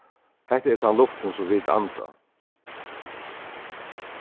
hetta er tann luftin sum vit anda